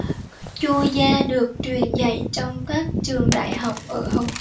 chu gia được truyền dạy trong các trường đại học ở hồng